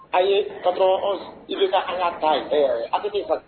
A ye ka dɔrɔn i bɛ taa an'a ta aw bɛ' ka